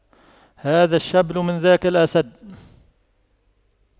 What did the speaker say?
هذا الشبل من ذاك الأسد